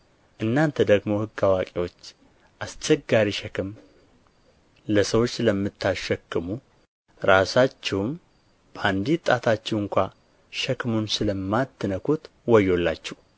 እናንተ ደግሞ ሕግ አዋቂዎች አስቸጋሪ ሸክም ለሰዎች ስለምታሸክሙ ራሳችሁም በአንዲት ጣታችሁ ስንኳ ሸክሙን ስለማትነኩት ወዮላችሁ